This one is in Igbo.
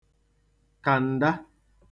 kàǹda